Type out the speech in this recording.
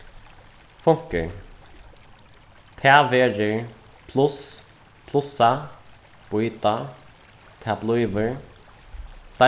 funkur tað verður pluss plussa býta tað blívur